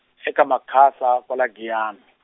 eka Makhasa kwala Giyani.